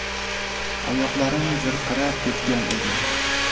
oyoqlarim zirqirab ketgan edi